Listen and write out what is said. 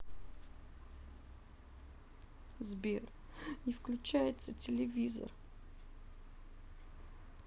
сбер не включается телевизор